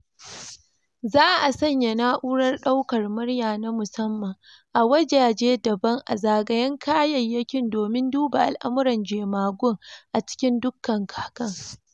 Ma’aikatan NHS da masu sa kai za su kuma gudanar da bincike na wayar tafi-da-gidanka ta yin amfani da bincike na hannun.